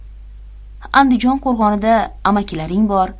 andijon qo'rg'onida amakilaring bor